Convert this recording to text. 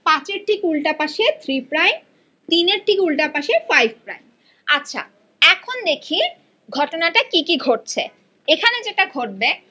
পাঁচের ঠিক উল্টা পাশে থ্রি প্রাইম তিনের ঠিক উল্টা পাশে ফাইভ প্রাইম আচ্ছা এখন দেখি ঘটনাটা কী কী ঘটছে এখানে যেটা ঘটবে